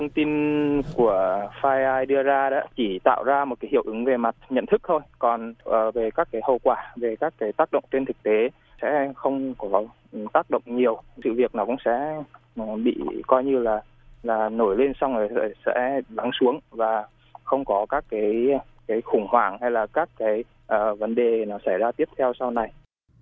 thông tin của phai ai đưa ra đó chỉ tạo ra một hiệu ứng về mặt nhận thức thôi còn về các hậu quả về các cái tác động trên thực tế sẽ không có tác động nhiều sự việc nó cũng sẽ bị coi như là là nổi lên xong rồi sẽ lắng xuống và không có các cái cái khủng hoảng hay là các cái ơ vấn đề nó xảy ra tiếp theo sau này